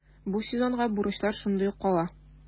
Бу сезонга бурычлар шундый ук кала.